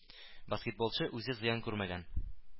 Баскетболчы үзе зыян күрмәгән